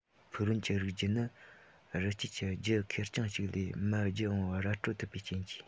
ཕུག རོན གྱི རིགས རྒྱུད ནི རི སྐྱེས ཀྱི རྒྱུད ཁེར རྐྱང གཅིག ལས མར བརྒྱུད འོངས པར ར སྤྲོད ཐུབ པའི རྐྱེན གྱིས